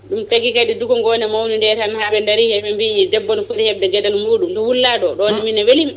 ɗum tagui kadi ko dukongo ne mawni nde tan haaɓe daari hen ɓe mbi debbo ne footi hebde gueɗal muɗum nde wulla ɗo ɗon min ne weelimi